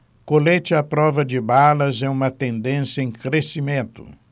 colete à prova de balas é uma tendência em crescimento